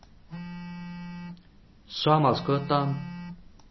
sámalsgøta